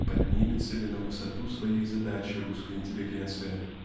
поднимется ли на высоту своей задачи русская интеллигенция